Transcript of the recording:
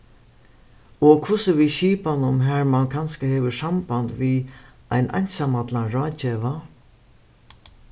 og hvussu við skipanum har mann kanska hevur samband við ein einsamallan ráðgeva